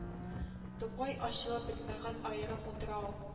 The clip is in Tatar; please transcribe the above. Тукай ачылып бетмәгән аерым утрау